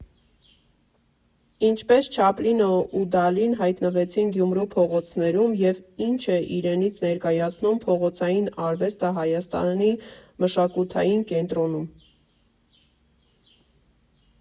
Ինչպե՞ս Չապլինը ու Դալին հայտնվեցին Գյումրու փողոցներում, և ի՞նչ է իրենից ներկայացնում փողոցային արվեստը Հայաստանի մշակութային կենտրոնում։